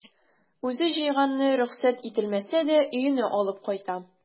Үзе җыйганны рөхсәт ителмәсә дә өенә алып кайта.